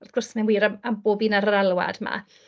Ac wrth gwrs ma'n wir am am bob un ar yr alwad 'ma.